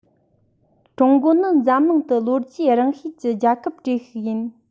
ཀྲུང གོ ནི འཛམ གླིང དུ ལོ རྒྱུས རིང ཤོས ཀྱི རྒྱལ ཁབ གྲས ཤིག ཡིན